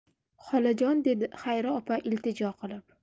xolajon dedi xayri opa iltijo qilib